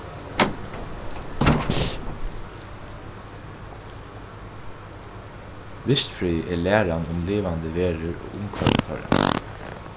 vistfrøði er læran um livandi verur og umhvørvi teirra